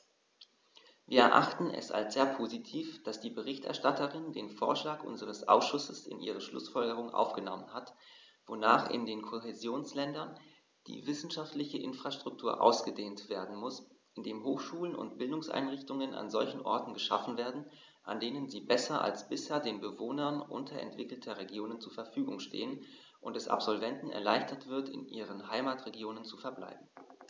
Wir erachten es als sehr positiv, dass die Berichterstatterin den Vorschlag unseres Ausschusses in ihre Schlußfolgerungen aufgenommen hat, wonach in den Kohäsionsländern die wissenschaftliche Infrastruktur ausgedehnt werden muss, indem Hochschulen und Bildungseinrichtungen an solchen Orten geschaffen werden, an denen sie besser als bisher den Bewohnern unterentwickelter Regionen zur Verfügung stehen, und es Absolventen erleichtert wird, in ihren Heimatregionen zu verbleiben.